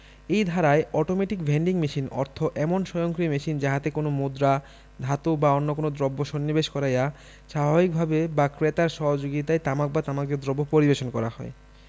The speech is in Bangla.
এই ধারায় অটোমেটিক ভেন্ডিং মেশিন অর্থ এমন স্বয়ংক্রিয় মেশিন যাহাতে কোন মুদ্রা ধাতু বা অন্য কোন দ্রব্য সন্নিবেশ করাইয়া স্বাভাবিকভাবে বা ক্রেতার সহযোগিতায় তামাক বা তামাকজাত দ্রব্য পরিবেশন করা হয়